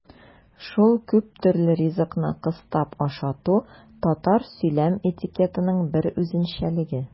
Шул күптөрле ризыкны кыстап ашату татар сөйләм этикетының бер үзенчәлеге.